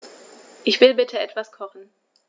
Ich will bitte etwas kochen.